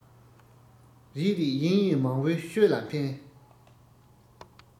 རེད རེད ཡིན ཡིན མང བོས ཤོད ལ འཕེན